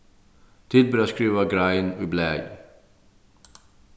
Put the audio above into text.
til ber at skriva grein í blaði